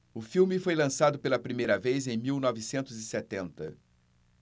o filme foi lançado pela primeira vez em mil novecentos e setenta